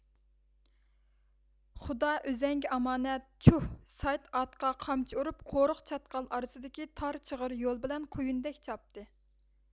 خۇدا ئۆزۈڭگە ئامانەت چۇھ سايىت ئاتقا قامچا ئۇرۇپ قورۇق چاتقال ئارىسىدىكى تار چىغىر يول بىلەن قۇيۇندەك چاپتى